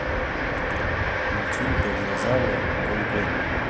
мультфильм про динозавра гон гон